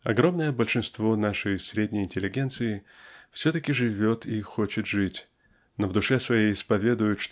Огромное большинство нашей средней интеллигенции все-таки живет и хочет жить но в душе своей исповедует